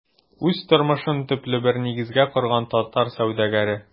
Үз тормышын төпле бер нигезгә корган татар сәүдәгәре.